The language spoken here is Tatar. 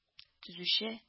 Төзүче